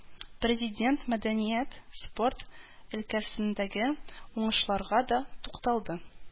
Президент мәдәният, спорт өлкәсендәге уңышларга да тукталды